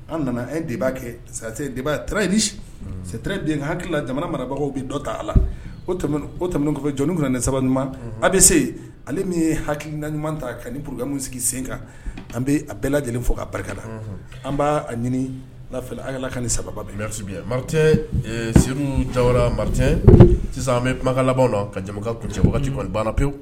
An nana e de b'a kɛ de in sɛ den hakilila jamana marabagaw bɛ dɔ ta a la o tɛmɛn kɔfɛ jɔnni fana ni saba ɲuman a bɛ se ale min ye haina ɲuman ta ka pmu sigi sen kan an bɛ a bɛɛ lajɛlen fɔ k ka barika la an b'a a ɲini lafɛ alala ka sababa mari se da maric sisan an bɛ kumaka laban ka jama kuncɛ kɔni bana pewu